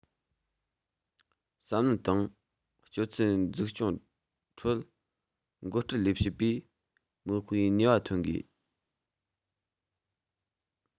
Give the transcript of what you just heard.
༄༅ བསམ བློ དང སྤྱོད ཚུལ འཛུགས སྐྱོང ཁྲོད འགོ ཁྲིད ལས བྱེད པས མིག དཔེའི ནུས པ འཐོན དགོས